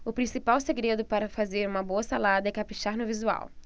o principal segredo para fazer uma boa salada é caprichar no visual